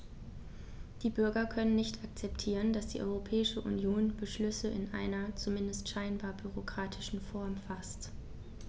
Die Bürger können nicht akzeptieren, dass die Europäische Union Beschlüsse in einer, zumindest scheinbar, bürokratischen Form faßt.